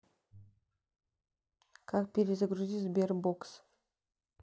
как перезагрузить сбер бокс